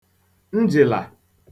njị̀là